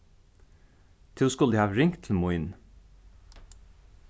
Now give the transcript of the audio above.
tú skuldi havt ringt til mín